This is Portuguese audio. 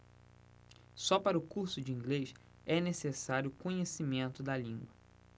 só para o curso de inglês é necessário conhecimento da língua